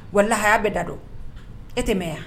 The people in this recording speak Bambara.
Wa lahaya bɛ da don e tɛ yan